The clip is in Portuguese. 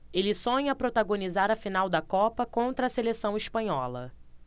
ele sonha protagonizar a final da copa contra a seleção espanhola